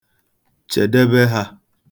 Chedebe ha.